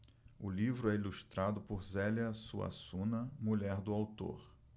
o livro é ilustrado por zélia suassuna mulher do autor